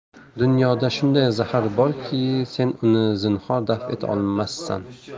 dunyoda shunday zahar borki sen uni zinhor daf eta olmassan